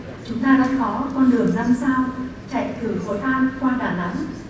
chúng ta đã có con đường năm sao chạy thử của tham quan đà nẵng